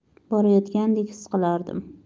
borayotgandek his qilardim